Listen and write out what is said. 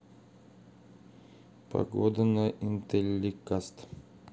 погода на интелликаст